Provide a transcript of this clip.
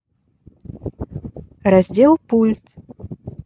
раздел пульт